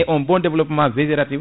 et un bon développement végératif